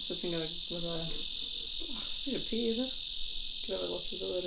'Sa ti'n gorfod fatha... Och 'sa chdi isio pi 'sach? Ac yn yfed lot o ddŵr, ia.